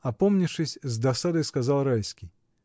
— опомнившись, с досадой сказал Райский.